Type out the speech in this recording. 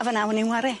A fan 'na o'n i'n 'ware.